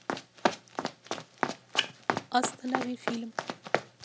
останови фильм